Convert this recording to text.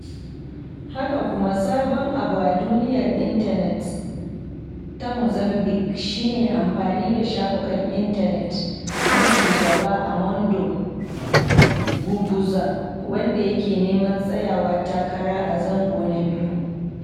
Haka kuma, sabon abu a duniyar intanet ta Muzambic shi ne amfani da shafukan intanet na Shugaba Armando Guebuza, wanda yake neman tsayawa takara a zango na biyu.